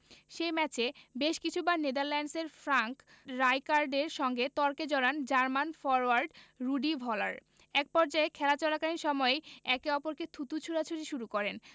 সে ম্যাচে বেশ কিছুবার নেদারল্যান্ডসের ফ্র্যাঙ্ক রাইকার্ডের সঙ্গে তর্কে জড়ান জার্মান ফরোয়ার্ড রুডি ভলার একপর্যায়ে খেলা চলাকালীন সময়েই একে অপরকে থুতু ছোড়াছুড়ি শুরু করেন